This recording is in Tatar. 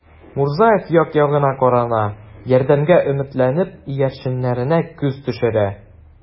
Мурзаев як-ягына карана, ярдәмгә өметләнеп, иярченнәренә күз төшерә.